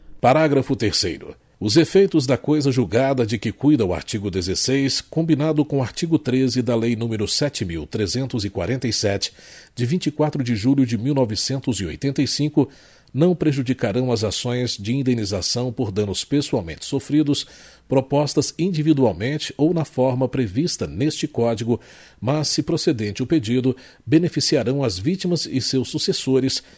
parágrafo terceiro os efeitos da coisa julgada de que cuida o artigo dezesseis combinado com o artigo treze da lei número sete mil trezentos e quarenta e sete de vinte e quatro de julho de mil novecentos e oitenta e cinco não prejudicarão as ações de indenização por danos pessoalmente sofridos propostas individualmente ou na forma prevista neste código mas se procedente o pedido beneficiarão as vítimas e seus sucessores